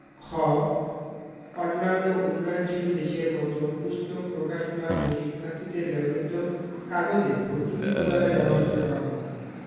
খ অন্যান্য উন্নয়নশীল দেশের মত পুস্তক প্রকাশনা ও শিক্ষার্থীদের ব্যবহৃত কাগজে ভর্তুকি প্রদানের ব্যবস্থা গ্রহণ করা হোক